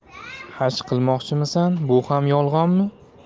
haj qilmoqchimishsan bu ham yolg'onmi